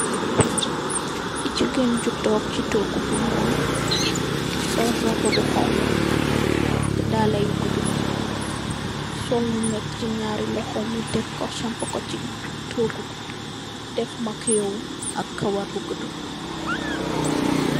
Jigeen ju tóóg ci tohgu bu ñuul sol róbbu bu xonxu ak dalla yu guddu ak sol lunet ci ñaari loxom yi tek ko sapu ko ci tohgu bi dèf makiyahu ak kawarr bu guddu.